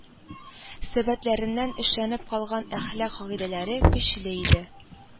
Сәбәтләреннән эшләнеп калган әхлак кагыйдәләре көчле иде